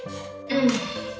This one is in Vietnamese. ừm